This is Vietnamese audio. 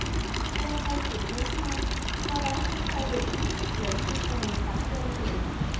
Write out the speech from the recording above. qua câu chuyện với nhau sau đó chúng tôi được biết lũ chim này đã quen lệ